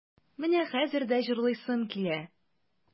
Менә хәзер дә җырлыйсым килә.